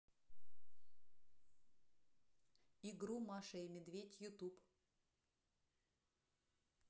игру маша и медведь ютуб